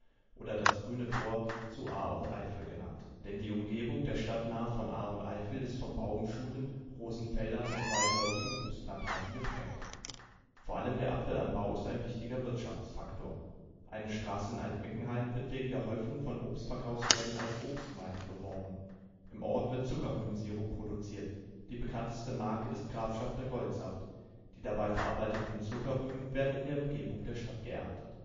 oder „ das grüne Tor zu Ahr und Eifel “. Die Benennung beruht darauf, dass die Umgebung der Stadt von Baumschulen, Rosenfeldern und weitläufigen Obstplantagen geprägt ist. Vor allem der Apfelanbau ist ein wichtiger Wirtschaftsfaktor. Eine Straße in Alt-Meckenheim wird wegen der Häufung von Obstverkaufsläden als „ Obstmeile “beworben. Im Ort wird Zuckerrübensirup produziert. Die bekannteste Marke ist „ Grafschafter Goldsaft “. Die dabei verarbeiteten Zuckerrüben werden in der Umgebung der Stadt geerntet